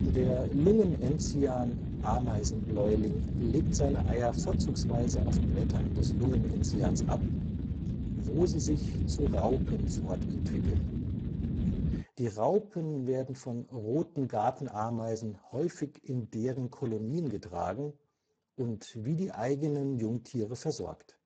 Der Lungenenzian-Ameisenbläuling legt seine Eier vorzugsweise auf Blättern des Lungen-Enzians ab, wo sie sich zu Raupen fortentwickeln. Die Raupen werden von Roten Gartenameisen häufig in deren Kolonien getragen und wie die eigenen Jungtiere versorgt